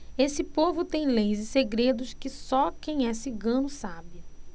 esse povo tem leis e segredos que só quem é cigano sabe